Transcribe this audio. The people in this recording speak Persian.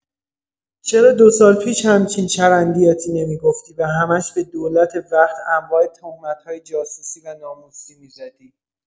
چرا دوسال پیش همچین چرندیاتی نمی‌گفتی و همه‌ش به دولت وقت انواع تهمت‌های جاسوسی و ناموسی می‌زدی؟